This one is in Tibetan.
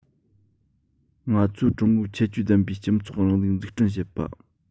ང ཚོས ཀྲུང གོའི ཁྱད ཆོས ལྡན པའི སྤྱི ཚོགས རིང ལུགས འཛུགས སྐྲུན བྱེད པ